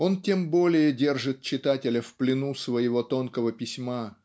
Он тем более держит читателя в плену своего тонкого письма